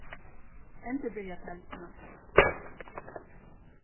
endurbyrja telduna